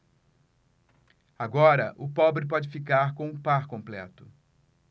agora o pobre pode ficar com o par completo